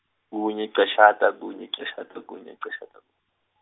kunye cashata kunye cashata kunye cashata.